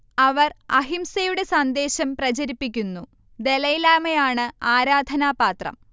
അവർ അഹിംസയുടെ സന്ദേശം പ്രചരിപ്പിക്കുന്നു ദലൈലാമയാണ് ആരാധനാപാത്രം